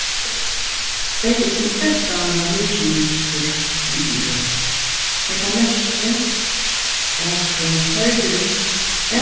tvey túsund og trettan varð mykines gjørt friðað økið hetta merkir at serligt